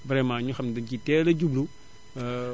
vraiment ñu xam ne dañu siy teel a jublu